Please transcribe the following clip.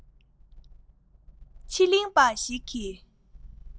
ཕྱི གླིང པ ཞིག གིས